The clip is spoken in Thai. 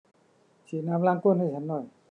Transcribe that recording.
ฉีดน้ำล้างก้นให้ฉันหน่อย